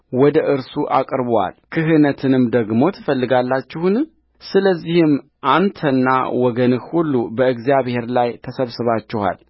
ወደ እርሱ አቅርቦአል ክህነትንም ደግሞ ትፈልጋላችሁን ስለዚህም አንተና ወገንህ ሁሉ በእግዚአብሔር ላይ ተሰብስባችኋል